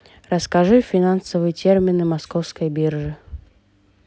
расскажи финансовые термины московской биржи